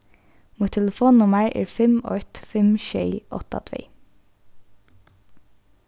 mítt telefonnummar er fimm eitt fimm sjey átta tvey